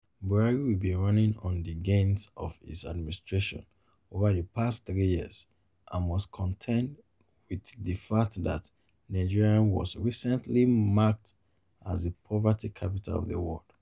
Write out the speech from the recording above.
Buhari will be running on the gains of his administration over the past three years and must contend with the fact that Nigeria was recently ranked as the poverty capital of the world.